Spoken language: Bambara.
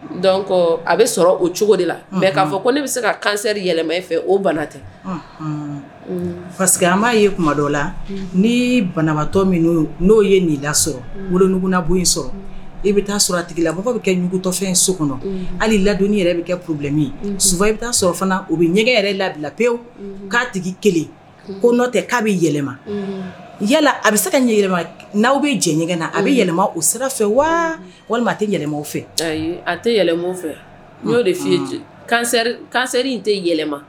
Don kɔ a bɛ sɔrɔ o cogo de la mɛ k'a fɔ ko ne bɛ se ka kansɛri yɛlɛma e fɛ o bana tɛ paseke a ma ye kuma dɔ la ni banamatɔ minnu n'o ye nin lasɔrɔ wolounuguna bon in sɔrɔ i bɛ taa sɔrɔ a tigi la bɛ kɛugutɔfɛn so kɔnɔ hali ladonni yɛrɛ bɛ kɛbi min suba i bɛ taa sɔrɔ fana u bɛ ɲɛgɛn yɛrɛ labila peyewu k'a tigi kelen ko nɔ tɛ k'a bɛ yɛlɛma a bɛ se ka ɲɛ yɛlɛma n'aw bɛ jɛ ɲɛgɛn na a bɛ yɛlɛma o sira fɛ wa walima a tɛ yɛlɛma fɛ a tɛ fɛ no de kansɛri in tɛ yɛlɛma